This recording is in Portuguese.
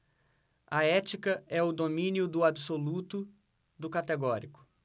a ética é o domínio do absoluto do categórico